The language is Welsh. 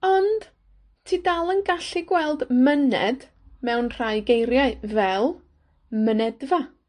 Ond, ti dal yn gallu gweld myned mewn rhai geiriau, fel mynedfa.